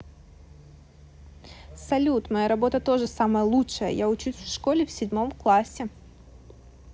салют моя работа тоже самая лучшая я учусь в школе в седьмом классе